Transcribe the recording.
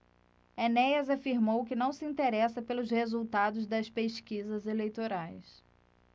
enéas afirmou que não se interessa pelos resultados das pesquisas eleitorais